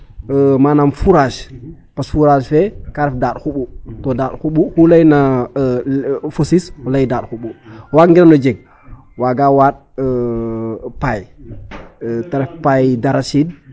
Manaam fourage parce fourage fe kaa ref daaƭ xuɓu to daaƭ xuɓu oxu layna fo siis o lay daaƭ xuɓu o waagangiran o jeg waaga waaɗ paille ta ref paille d' arachide wala paille de riz wala liserne.